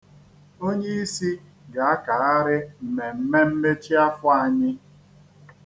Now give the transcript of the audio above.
Onyeisi ga-akagharị mmemme mmechi afọ anyị.